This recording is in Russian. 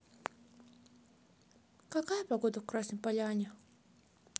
какая погода в красной поляне